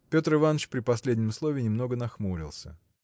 Петр Иваныч при последнем слове немного нахмурился.